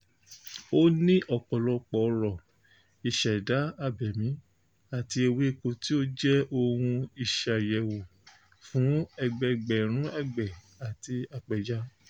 Ó ní ọ̀pọ̀lọpọ̀ ọrọ̀ ìṣẹ̀dá abẹ̀mí àti ewéko tí ó jẹ́ ohun ìsayéró fún ẹgbẹẹ̀gbẹ̀rún àgbẹ̀ àti apẹja.